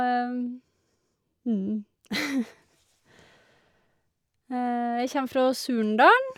Jeg kjem fra Surnadalen.